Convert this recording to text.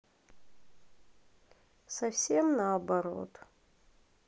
совсем наоборот